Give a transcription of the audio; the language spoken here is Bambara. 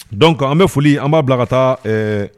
Don kan an bɛ foli an b'a bila ka taa